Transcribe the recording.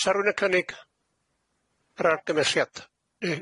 O's 'a rwun yn cynnig yr argymelliad?